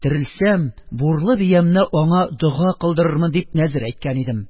Терелсәм, бурлы биямне аңа дога кылдырырмын дип нәзер әйткән идем.